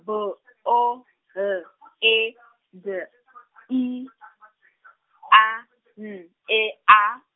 B, O, L, E, D, I, A, N, E A.